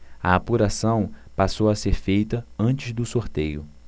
a apuração passou a ser feita antes do sorteio